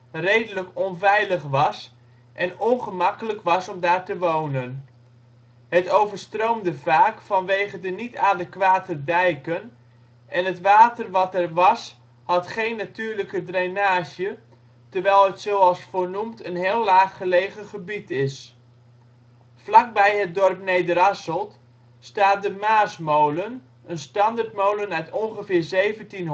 redelijk onveilig was en ongemakkelijk was om daar te wonen. Het overstroomde vaak vanwege de niet adequate dijken en het water wat er was had geen natuurlijke drainage terwijl het zoals voornoemd een heel laag gelegen gebied is. Vlakbij het dorp Nederasselt staat De Maasmolen, een standerdmolen uit ongeveer 1700